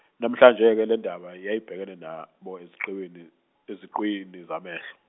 namhlanje ke lendaba yayibhekene nabo eziqwini, eziqwini zamehlo.